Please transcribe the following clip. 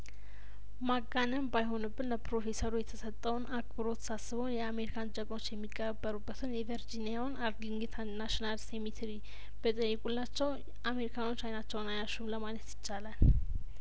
ማጋነን ባይሆንብን ለፕሮፌሰሩ የተሰጠውን አክብሮት ሳስበው የአሜሪካን ጀግኖች የሚቀበሩበትን የቨርጂኒያውን አር ሊንግተንናሽናል ሴሜ ተሪ ቢጠይቁላቸው አሜሪካኖቹ አይናቸውን አያሹም ለማለት ይቻላል